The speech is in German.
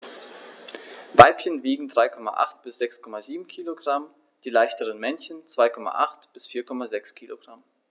Weibchen wiegen 3,8 bis 6,7 kg, die leichteren Männchen 2,8 bis 4,6 kg.